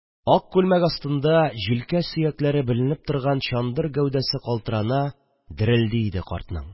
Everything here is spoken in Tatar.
Ак күлмәк астында җилкә сөякләре беленеп торган чандыр гәүдәсе калтырана, дерелди иде картның